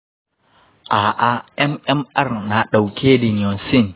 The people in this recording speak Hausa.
a'a, mmr na ɗauke da neomycin.